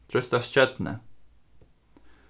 trýst á stjørnu